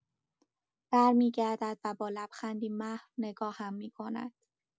برمی‌گردد و با لبخندی محو نگاهم می‌کند.